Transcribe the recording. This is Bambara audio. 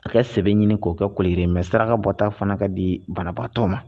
A ka sɛbɛn ɲini k'o kɛ koli jiri ye mais saraka bɔta fana ka di banabaatɔ ma.